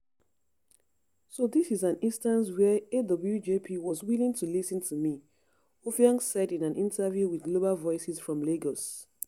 So this was an instance where AWJP was willing to listen to me,” Offiong said in an interview with Global Voices from Lagos.